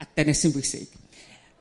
a dyna sy'n bwysig.